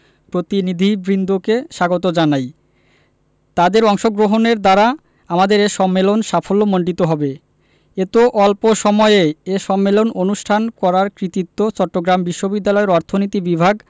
প্রতিনিধিবৃন্দকে স্বাগত জানাই তাদের অংশগ্রহণের দ্বারা আমাদের এ সম্মেলন সাফল্যমণ্ডিত হবে এত অল্প এ সম্মেলন অনুষ্ঠান করার কৃতিত্ব চট্টগ্রাম বিশ্ববিদ্যালয়ের অর্থনীতি বিভাগ